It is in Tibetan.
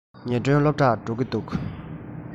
ཉི སྒྲོན སློབ གྲྭར འགྲོ གི འདུག